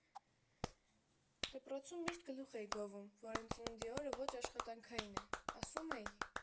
Դպրոցում միշտ գլուխ էի գովում, որ իմ ծնունդի օրը ոչ աշխատանքային է, ասում էի.